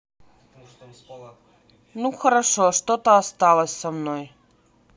ну хорошо что то осталось со мной